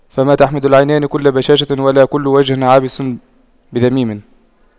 فما تحمد العينان كل بشاشة ولا كل وجه عابس بذميم